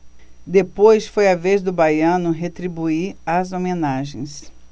depois foi a vez do baiano retribuir as homenagens